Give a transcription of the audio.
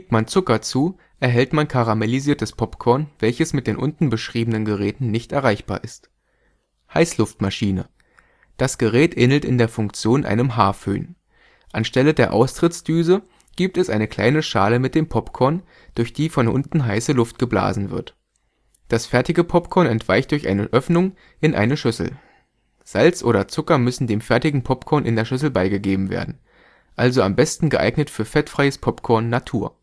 man Zucker zu, erhält man karamellisiertes Popcorn, welches mit den unten beschriebenen Geräten nicht erreichbar ist. Heißluftmaschine. Das Gerät ähnelt in der Funktion einem Haarföhn. Anstelle der Austrittsdüse gibt es eine kleine Schale mit dem Popcorn, durch die von unten heiße Luft geblasen wird. Das fertige Popcorn entweicht durch eine Öffnung in eine Schüssel. Salz oder Zucker müssen dem fertigen Popcorn in der Schüssel beigegeben werden. Also am besten geeignet für fettfreies Popcorn „ Natur